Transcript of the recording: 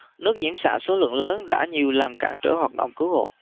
nước nhiễm xạ số lượng lớn đã nhiều lần cản trở hoạt động cứu hộ